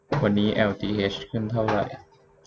วันนี้แอลทีซีขึ้นเท่าไหร่